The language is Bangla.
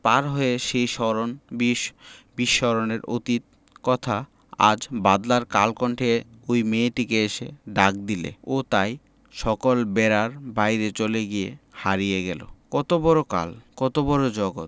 পার হয়ে সেই স্মরণ বিস্মরণের অতীত কথা আজ বাদলার কালকণ্ঠে ঐ মেয়েটিকে এসে ডাক দিলে ও তাই সকল বেড়ার বাইরে চলে গিয়ে হারিয়ে গেল কত বড় কাল কত বড় জগত